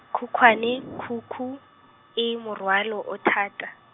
khukhwane, khukhu, e morwalo o thata.